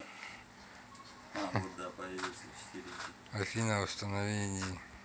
афина установи иди